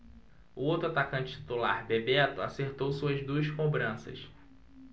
o outro atacante titular bebeto acertou suas duas cobranças